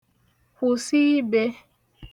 kwụ̀sị ibē